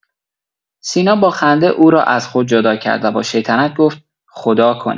سینا با خنده او را از خود جدا کرد و با شیطنت گفت: خداکنه.